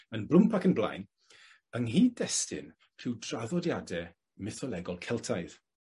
yn blwmp ac yn blaen yng nghyd-destun rhyw draddodiade mytholegol Celtaidd.